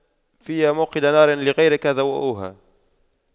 فيا موقدا نارا لغيرك ضوؤها